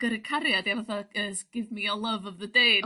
gyrru cariad ia fatha yy s- give me your love of the day...